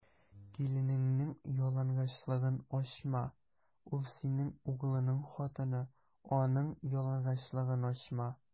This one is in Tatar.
Киленеңнең ялангачлыгын ачма: ул - синең углыңның хатыны, аның ялангачлыгын ачма.